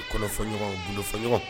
I kɔnɔfɔɲɔgɔn gindofɔɲɔgɔn